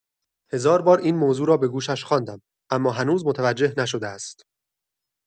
هزار بار این موضوع را به گوشش خواندم، اما هنوز متوجه نشده است.